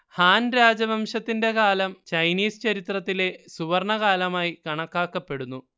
Han രാജവംശത്തിന്റെ കാലം Chinese ചരിത്രത്തിലെ സുവർണ്ണകാലമായി കണക്കാക്കപ്പെടുന്നു